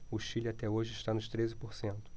o chile até hoje está nos treze por cento